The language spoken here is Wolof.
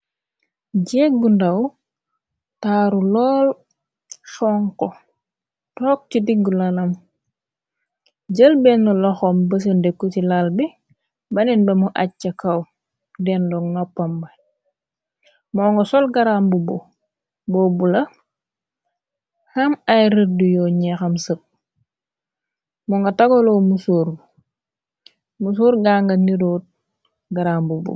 Jeggu ndaw taaru lool chonko took ci diggu lalam jël benn loxom bëse ndekku ci lal bi baneen bamu acca kaw dendo noppamb moo nga sol garambubu boobu la xam ay rëddu yoo ñeexam sëpp mu nga tagoloo rmu suur ganga niroot garambu bu.